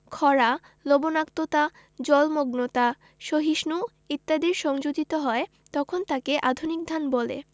খরা লবনাক্ততা জলমগ্নতা সহিষ্ণু ইত্যাদি সংযোজিত হয় তখন তাকে আধুনিক ধান বলে